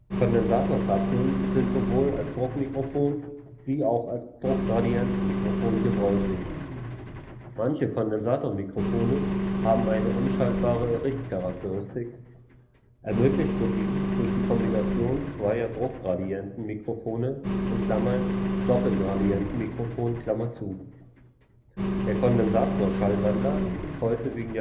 Kondensatorkapseln sind sowohl als Druckmikrofon wie auch als Druckgradientenmikrofon gebräuchlich. Manche Kondensatormikrofone haben eine umschaltbare Richtcharakteristik. Ermöglicht wird dieses durch die Kombination zweier Druckgradientenmikrofone (Doppelgradientenmikrofon). Der Kondensatorschallwandler ist heute wegen